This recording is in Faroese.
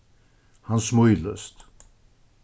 hann smílist